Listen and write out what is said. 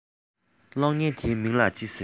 གློག བརྙན འདིའི མིང ལ ཅི ཟེར